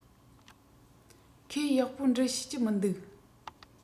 ཁོས ཡག པོ འབྲི ཤེས ཀྱི མི འདུག